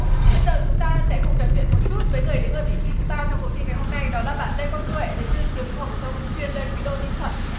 bây giờ chúng ta sẽ cùng trò chuyện một chút với người đứng ở vị trí thứ ba trong cuộc thi ngày hôm nay đó là bạn lê quang tuệ đến từ trường trung học phổ thông chuyên lê quý đôn ninh thuận